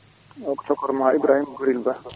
o ko tokarama Ibrahima Gorel Ba